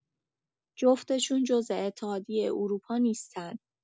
جفتشون جز اتحادیه اروپا نیستن.